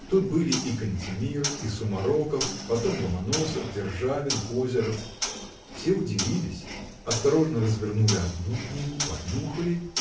Тут были и Кантемир, и Сумароков, потом Ломоносов, Державин, Озеров. Все удивились осторожно развернули одну книгу понюхали